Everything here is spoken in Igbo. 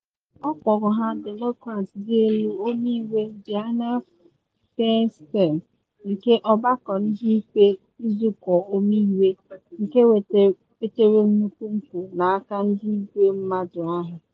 Ọ kpọrọ aha Demokrat dị elu Ọmeiwu Dianne Feinstein nke Ọgbakọ Ndị Ikpe Nzụkọ Ọmeiwu, nke nwetere nnukwu mkpu n’aka ndị igwe mmadụ ahụ.